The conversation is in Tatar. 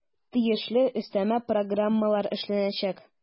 Тиешле өстәмә программалар эшләнәчәк.